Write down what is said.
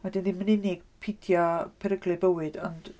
A wedyn ddim yn unig peidio peryglu bywyd ond...